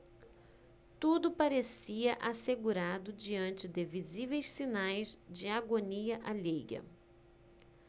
tudo parecia assegurado diante de visíveis sinais de agonia alheia